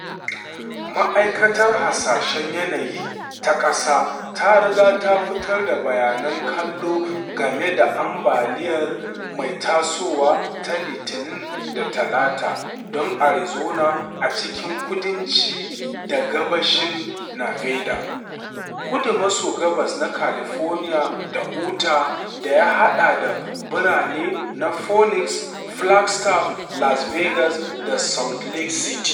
Ma’aikatar Hasashen Yanayi ta Ƙasa ta riga ta fitar da bayanan kallo game da ambaliyar mai tasowa ta Litinin da Talata don Arizona a cikin kudanci da gabashin Nevada, kudu-maso-gabas na California da Utah, da ya haɗa da birane na Phoenix, Flagstaff, Las Vegas, da Salt Lake City.